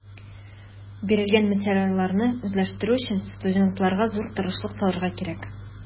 Бирелгән материалны үзләштерү өчен студентларга зур тырышлык салырга кирәк.